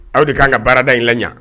Aw de ka kan ka baarada in la ɲɛ